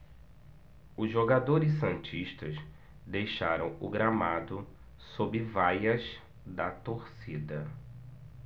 os jogadores santistas deixaram o gramado sob vaias da torcida